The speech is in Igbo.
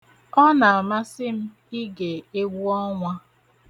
Ọ na-amasị m ige egwu ọnwa.